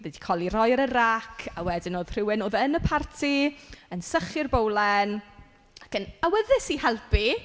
'Di cael ei roi ar y rac a wedyn oedd rhywun oedd yn y parti yn sychu'r bowlen ac yn awyddus i helpu.